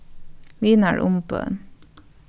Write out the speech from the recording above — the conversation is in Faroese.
vinarumbøn